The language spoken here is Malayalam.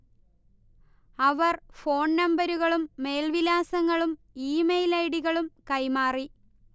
അവർ ഫോൺനമ്പരുകളും മേൽവിലാസങ്ങളും ഇമെയിൽ ഐഡികളും കൈമാറി